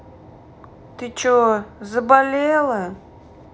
ты чего заболела